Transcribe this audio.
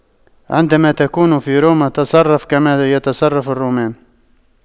عندما تكون في روما تصرف كما يتصرف الرومان